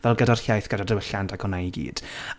Fel gyda'r iaith, gyda'r dywylliant, ac hwnna i gyd.